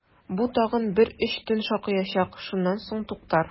Бу тагын бер өч төн шакыячак, шуннан соң туктар!